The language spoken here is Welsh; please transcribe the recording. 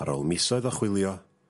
Ar ôl misoedd o chwilio